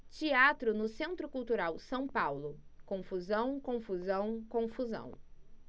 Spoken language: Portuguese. teatro no centro cultural são paulo confusão confusão confusão